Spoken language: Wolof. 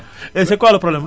et c' est quoi le problème